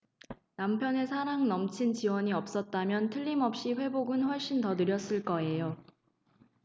남편의 사랑 넘친 지원이 없었다면 틀림없이 회복은 훨씬 더 느렸을 거예요